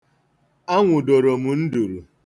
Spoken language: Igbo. Anwụdoro m nduru.